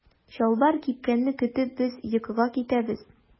Чалбар кипкәнне көтеп без йокыга китәбез.